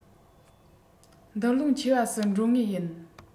འདུ ལོང ཆེ བ སུ འགྲོ ངེས ཡིན